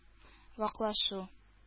Ваклашу